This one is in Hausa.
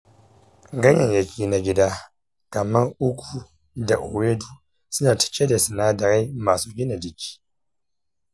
ganyayyaki na gida kamar ugu da ewedu suna cike da sinadarai masu gina jiki.